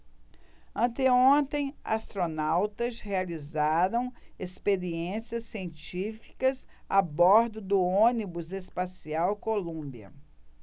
anteontem astronautas realizaram experiências científicas a bordo do ônibus espacial columbia